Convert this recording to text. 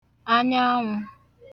anyaanwụ̄